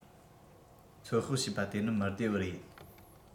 ཚོད དཔག བྱས པ དེ ནི མི བདེ བར ཡིན